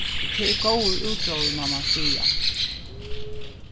so tað er góður útróður má mann siga